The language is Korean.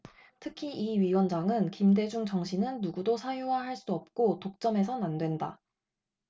특히 이 위원장은 김대중 정신은 누구도 사유화 할 수 없고 독점해선 안 된다